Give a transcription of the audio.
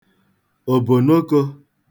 òbònokō